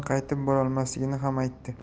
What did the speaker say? qaytib bormasligini ham aytdi